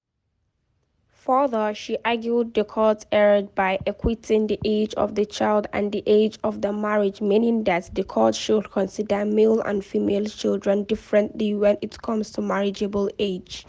Further, she argued the court erred by “equating the age of the child and the age of marriage,” meaning that the court should consider male and female children differently when it comes to marriageable age.